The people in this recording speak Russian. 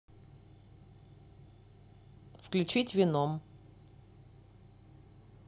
включить веном